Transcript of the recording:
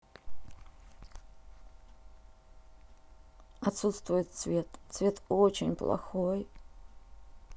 отсутствует цвет цвет очень плохой